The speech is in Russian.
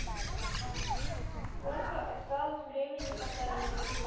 сколько осталось времени по таймеру